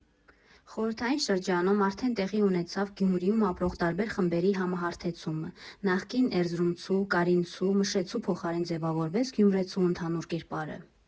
Խորհրդային շրջանում արդեն տեղի ունեցավ Գյումրիում ապրող տարբեր խմբերի համահարթեցումը՝ նախկին էրզրումցու, կարինցու, մշեցու փոխարեն ձևավորվեց գյումրեցու ընդհանուր կերպարը։